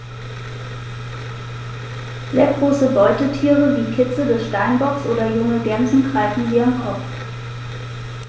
Sehr große Beutetiere wie Kitze des Steinbocks oder junge Gämsen greifen sie am Kopf.